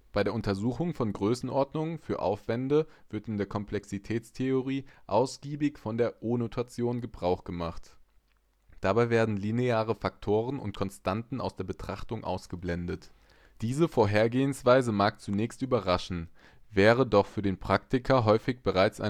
Bei der Untersuchung von Größenordnungen für Aufwände wird in der Komplexitätstheorie ausgiebig von der O-Notation Gebrauch gemacht. Dabei werden lineare Faktoren und Konstanten aus der Betrachtung ausgeblendet. Diese Vorgehensweise mag zunächst überraschen, wäre doch für den Praktiker häufig bereits